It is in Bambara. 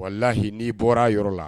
Walahi n'i bɔra yɔrɔ la